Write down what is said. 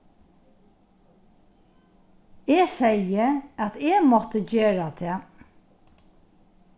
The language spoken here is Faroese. eg segði at eg mátti gera tað